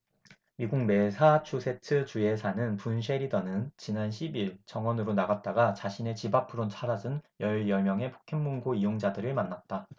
미국 매사추세츠주에 사는 분 셰리던은 지난 십 일 정원으로 나갔다가 자신의 집 앞으로 찾아든 열 여명의 포켓몬 고 이용자들을 만났다